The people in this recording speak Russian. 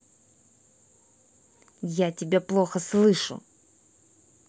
я тебя плохо слышу